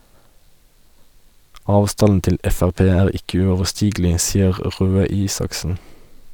- Avstanden til Frp er ikke uoverstigelig, sier Røe Isaksen.